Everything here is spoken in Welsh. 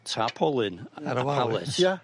tarpolin... Ar y wal. ...ar y palace... Ia...